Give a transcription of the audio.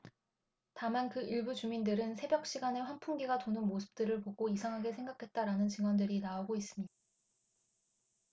다만 그 일부 주민들은 새벽 시간에 환풍기가 도는 모습들을 보고 이상하게 생각했다라는 증언들이 나오고 있습니다